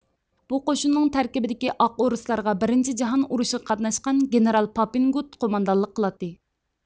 بۇ قوشۇننىڭ تەركىبىدىكى ئاق ئورۇسلارغا بىرىنچى جاھان ئۇرۇشىغا قاتناشقان گېنېرال پاپىنگۇت قوماندانلىق قىلاتتى